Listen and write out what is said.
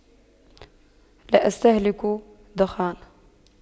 لا استهلك دخان